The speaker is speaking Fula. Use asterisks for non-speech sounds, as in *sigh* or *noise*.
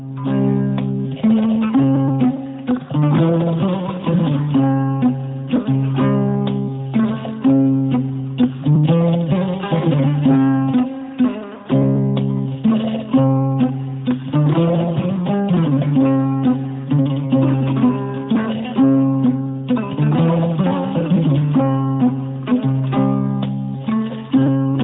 *music*